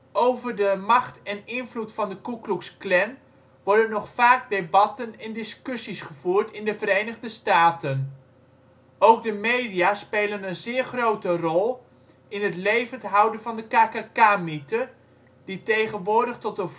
Over de macht en invloed van de Ku Klux Klan worden nog vaak debatten en discussies gevoerd in de Verenigde Staten. Ook de media spelen een zeer grote rol in het levendhouden van de KKK-mythe - die tegenwoordig tot een volwaardige